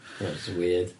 Ma' wnna jyst yn weird.